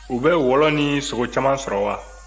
u bɛ wɔlɔ ni sogo caman sɔrɔ wa